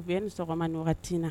U bɛ ni sɔgɔma ɲɔgɔn na